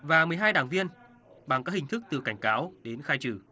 và mười hai đảng viên bằng các hình thức từ cảnh cáo đến khai trừ